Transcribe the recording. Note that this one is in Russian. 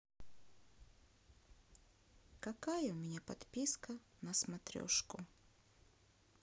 какая у меня подписка на смотрешку